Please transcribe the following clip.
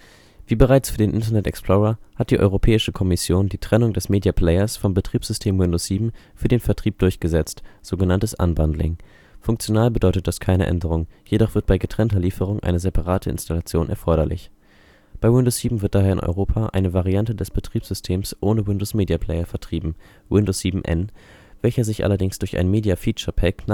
Wie bereits für den Internet Explorer, hat die Europäische Kommission die Trennung des Media Players vom Betriebssystem Windows 7 für den Vertrieb durchgesetzt (sogenanntes Unbundling). Funktional bedeutet das keine Änderung, jedoch wird bei getrennter Lieferung eine separate Installation erforderlich. Bei Windows 7 wird daher in Europa eine Variante des Betriebssystems ohne Windows Media Player vertrieben („ Windows 7 N “), welcher sich allerdings durch ein Media Feature Pack